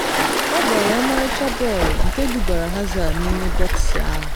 Ọ gbara ọmarịcha bọọlụ, nke dubara Hazard n’ime bọksị ahụ.